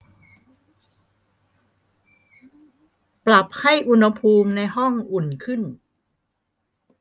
ปรับให้อุณหภูมิในห้องอุ่นขึ้น